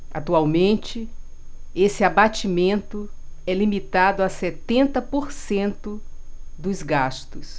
atualmente esse abatimento é limitado a setenta por cento dos gastos